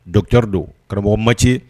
Dokicdi don karamɔgɔ mati